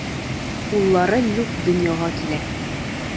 Уллары Люкс дөньяга килә.